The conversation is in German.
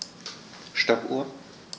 Stoppuhr.